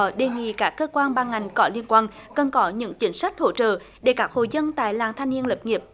thọ đề nghị các cơ quan ban ngành có liên quan cần có những chính sách hỗ trợ để các hộ dân tại làng thanh niên lập nghiệp